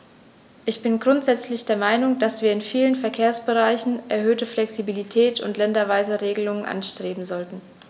Ich bin grundsätzlich der Meinung, dass wir in vielen Verkehrsbereichen erhöhte Flexibilität und länderweise Regelungen anstreben sollten.